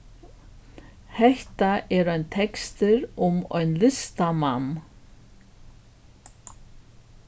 hetta er ein tekstur um ein listamann